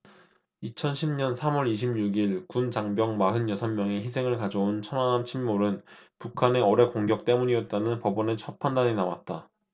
이천 십 년 삼 월 이십 육 일 군 장병 마흔 여섯 명의 희생을 가져온 천안함 침몰은 북한의 어뢰 공격 때문이었다는 법원의 첫 판단이 나왔다